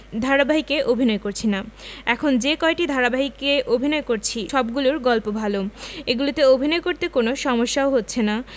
ধারাবাহিকে অভিনয় করছি না এখন যে কয়টি ধারাবাহিকে অভিনয় করছি সবগুলোর গল্প ভালো এগুলোতে অভিনয় করতে কোনো সমস্যাও হচ্ছে না